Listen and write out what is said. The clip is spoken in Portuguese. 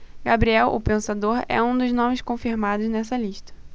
gabriel o pensador é um dos nomes confirmados nesta lista